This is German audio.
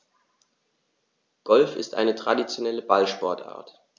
Golf ist eine traditionelle Ballsportart.